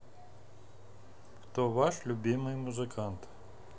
кто ваш любимый музыкант